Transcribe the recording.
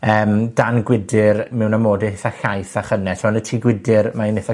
yym, dan gwydyr mewn amode itha llaith a chynnes, mewn y tŷ gwydyr, mae e'n itha